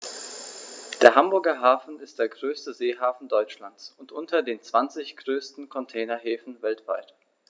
Der Hamburger Hafen ist der größte Seehafen Deutschlands und unter den zwanzig größten Containerhäfen weltweit.